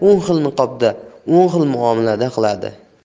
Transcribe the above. o'n xil niqobda o'n xil muomala qiladi